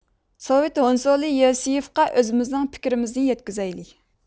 سوۋېت ھونسۇلى يېۋسېيىفقا ئۆزىمىزنىڭ پىكرىمىزنى يەتكۈزەيلى